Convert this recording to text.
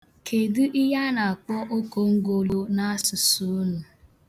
Kedu ihe a na-akpọ okongolo n'asụsụ unu?